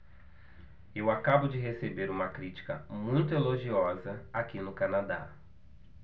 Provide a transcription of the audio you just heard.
eu acabo de receber uma crítica muito elogiosa aqui no canadá